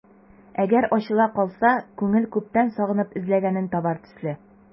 Әгәр ачыла калса, күңел күптән сагынып эзләгәнен табар төсле...